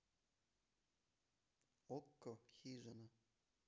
окко хижина